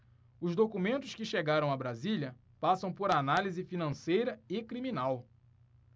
os documentos que chegaram a brasília passam por análise financeira e criminal